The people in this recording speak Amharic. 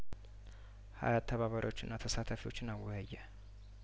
ሀያት ተባባሪ ዎቹና ተሳታፊዎቹን አወያየ